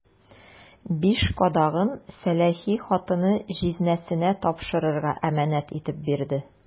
Биш кадагын сәләхи хатыны җизнәсенә тапшырырга әманәт итеп бирде.